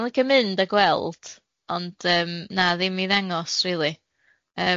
'Dan ni'n licio mynd a gweld, ond yym na, ddim i ddangos rili.